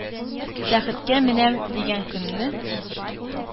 Тәхеткә менәм дигән көнне,